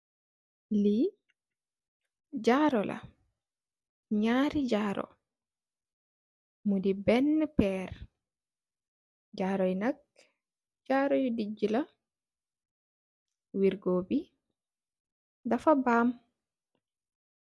Li jaroh la nyari jaroh bena perr jaroh yi nak jaroh yi ndeeja la weergu bi dafa baam